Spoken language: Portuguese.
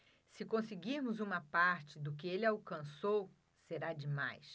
se conseguirmos uma parte do que ele alcançou será demais